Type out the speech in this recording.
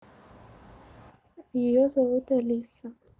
ее зовут алиса